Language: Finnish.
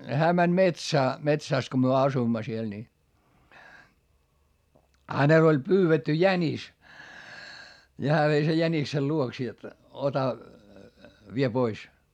hän meni metsään metsässä kun me asuimme siellä niin hänellä oli pyydetty jänis niin hän vei sen jäniksen luokse jotta ota vie pois